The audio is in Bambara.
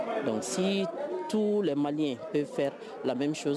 Don situ lama ye bɛfɛ labɛn